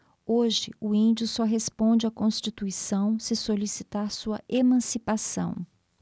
hoje o índio só responde à constituição se solicitar sua emancipação